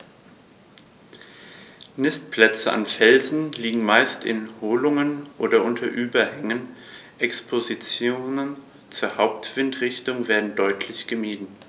Nistplätze an Felsen liegen meist in Höhlungen oder unter Überhängen, Expositionen zur Hauptwindrichtung werden deutlich gemieden.